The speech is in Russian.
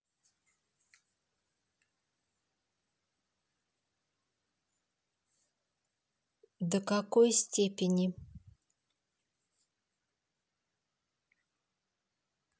до какой степени